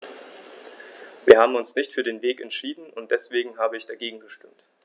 Wir haben uns nicht für diesen Weg entschieden, und deswegen habe ich dagegen gestimmt.